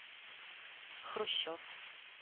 Хрущев